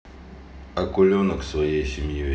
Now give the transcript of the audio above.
акуленок своей семьей